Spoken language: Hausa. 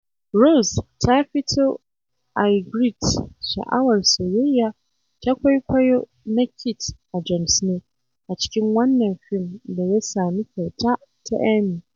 Rose ta fito a Ygritte, sha'awar soyayya ta kwaikwayo na Kit a Jon Snow, a cikin wannan fim da ya sami kyauta ta Emmy.